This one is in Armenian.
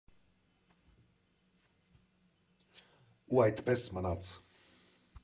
Ու այդպես մնաց։